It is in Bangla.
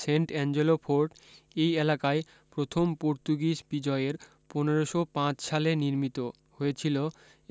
সেন্ট অ্যাঞ্জেলো ফোর্ট এই এলাকায় প্রথম পর্তুগীজ বিজয়ের পনেরশ পাঁচ সালে দ্বারা নির্মিত হয়েছিলো